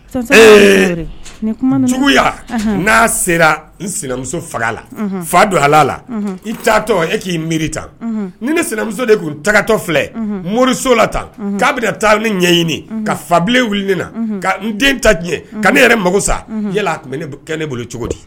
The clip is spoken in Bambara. Ee cogoyaya n'a sera n sinamuso faga la fa don alala i taatɔ e k'i miiri tan ni ne sinamuso de tun tagatɔ filɛ moriso la tan k'a bɛ taa ni ɲɛɲini ka fabilen wili na ka n den ta diɲɛ ka ne yɛrɛ mako sa yala tun kɛ ne bolo cogo di